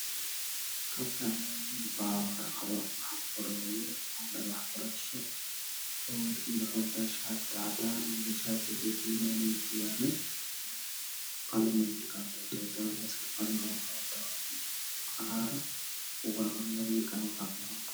Meeshaan waa fadhiya loo wiil mid wuxuu wata shaaticadaan midna shati midooday cadaan ah ku jiro cashir ay qorayaan labada wiil